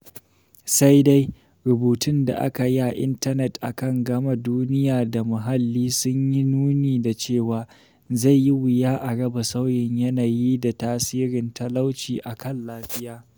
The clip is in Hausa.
Sai dai, rubutun da aka yi a intanet a kan Gama-duniya da Muhalli sun yi nuni da cewa, zai yi wuya a raba sauyin yanayi da tasirin talauci a kan lafiya.